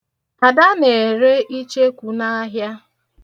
Ada na-ere icheku n'ahịa.